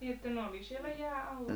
niin että ne oli siellä jään alla